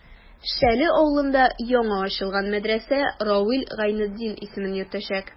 Шәле авылында яңа ачылган мәдрәсә Равил Гайнетдин исемен йөртәчәк.